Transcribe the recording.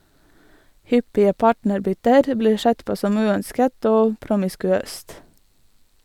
Hyppige partnerbytter blir sett på som uønsket og promiskuøst.